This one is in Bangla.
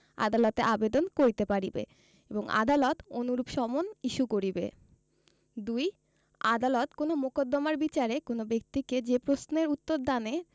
আদালতে আবেদন করিতে পারিবে এবং আদালত অনুরূপ সমন ইস্যু করিবে ২ আদালত কোন মোকদ্দমার বিচারে কোন ব্যক্তিকে যে প্রশ্নের উত্তরদানে